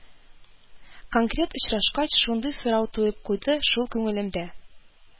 Конкрет очрашкач, шундый сорау туып куйды шул күңелемдә